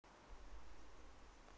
село большеокинское иркутская область